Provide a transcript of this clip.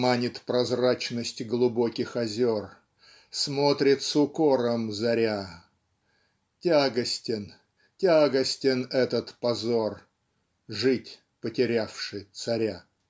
Манит прозрачность глубоких озер Смотрит с укором заря Тягостен тягостен этот позор Жить, потерявши царя.